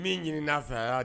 Min ɲini' a fɛ